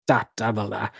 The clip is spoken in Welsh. data fel 'na